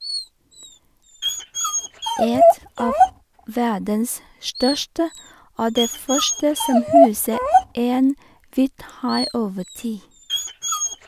Et av verdens største, og det første som huset en hvithai over tid.